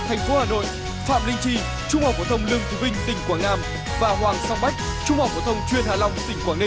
thành phố hà nội phạm linh chi trung học phổ thông lương thế vinh tỉnh quảng nam và hoàng song bách trung học phổ thông chuyên hạ long tỉnh quảng ninh